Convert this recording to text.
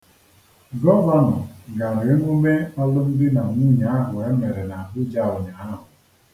Gọvanọ gara emume alụmdịnanwunye ahụ e mere na Abuja ụnyaahụ.